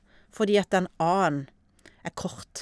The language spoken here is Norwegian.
Fordi at den a-en er kort.